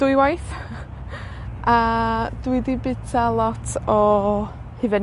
Dwy waith, a dwi 'di bita lot o hufen